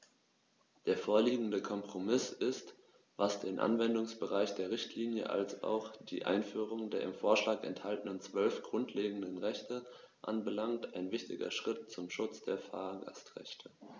Der vorliegende Kompromiss ist, was den Anwendungsbereich der Richtlinie als auch die Einführung der im Vorschlag enthaltenen 12 grundlegenden Rechte anbelangt, ein wichtiger Schritt zum Schutz der Fahrgastrechte.